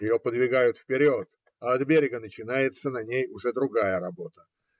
Ее подвигают вперед, а от берега начинается на ней уже другая работа.